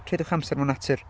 Treuliwch amser mewn natur.